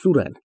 ՍՈՒՐԵՆ ֊